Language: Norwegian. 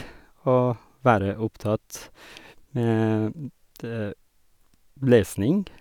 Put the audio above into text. Og være opptatt med lesning.